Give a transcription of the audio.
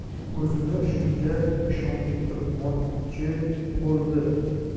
o'zini shunga ishontirmochchi bo'ldi